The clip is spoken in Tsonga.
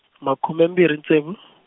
makhume mbirhi ntsevu.